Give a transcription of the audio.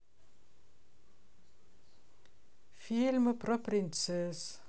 фильмы про принцесс